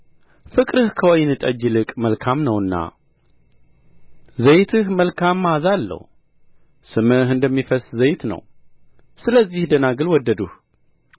ፍቅርህ ከወይን ጠጅ ይልቅ መልካም ነውና ዘይትህ መልካም መዓዛ አለው ስምህ እንደሚፈስስ ዘይት ነው ስለዚህ ደናግል ወደዱህ